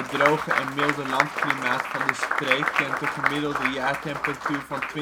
droge en milde landklimaat van de streek kent een gemiddelde jaartemperatuur van 20°C